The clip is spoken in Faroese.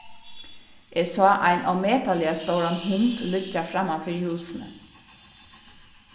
eg sá ein ómetaliga stóran hund liggja framman fyri húsini